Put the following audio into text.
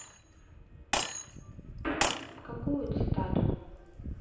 какую цитату